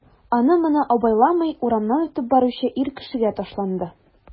Аны-моны абайламый урамнан үтеп баручы ир кешегә ташланды...